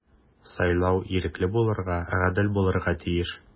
Сайлау ирекле булырга, гадел булырга тиеш.